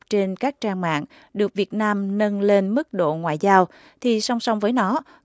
trên các trang mạng được việt nam nâng lên mức độ ngoại giao thì song song với nó